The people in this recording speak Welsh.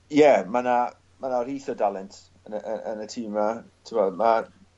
Ie ma' 'na ma' 'na rith o dalent yn y y yn y tîm 'ma. T'mod ma'